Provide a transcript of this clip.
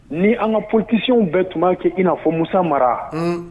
Ni an ka psiw bɛɛ tun b'a kɛ i n'a fɔ musa mara